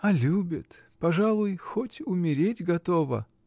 А любит, — пожалуй, хоть умереть готова.